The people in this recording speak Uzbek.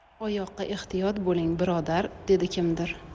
oyoqqa ehtiyot bo'ling birodar dedi kimdir